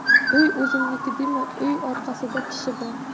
uy o'zimniki dema uy orqasida kishi bor